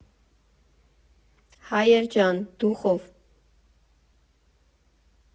Հայեր ջա՜ն, դուխո՜վ։